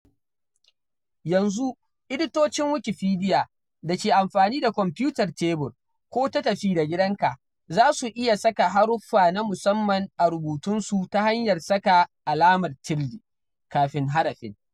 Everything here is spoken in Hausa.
Yanzu, editocin Wikipedia da ke amfani da kwamfutar tebur ko ta tafi-da-gidanka za su iya saka haruffa na musamman a rubutunsu ta hanyar rubuta alamar tilde (~) kafin harafin